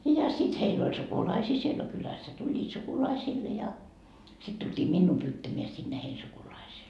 ja sitten heillä oli sukulaisia siellä no kylässä tulivat sukulaisille ja sitten tultiin minua pyytämään sinne heidän sukulaiseen